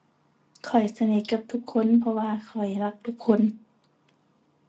ข้อยสนิทกับทุกคน เพราะว่าข้อยรักทุกคน